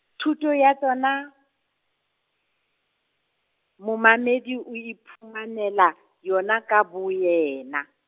thuto ya tsona, momamedi o iphumanela, yona ka boyena.